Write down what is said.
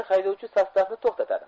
haydovchi sostavni to'xtatadi